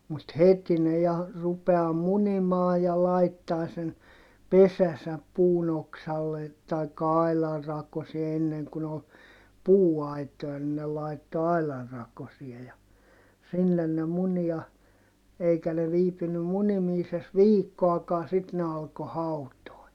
mutta heti ne ja rupeaa munimaan ja laittaa sen pesänsä puun oksalle tai aidan rakoseen ennen kun oli puuaitoja niin ne laittoi aidan rakoseen ja sinne ne muni ja eikä ne viipynyt munimisessa viikkoakaan sitten ne alkoi hautoa